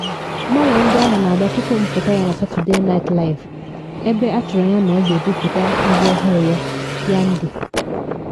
Mgbanwe ndị ahụ na abịa tupu mpụta ya na Saturday Night Live, ebe atụrụ anya na ọ ga-ebupụta egwu ọhụrụ ya Yandhi.